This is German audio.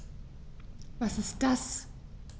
Was ist das?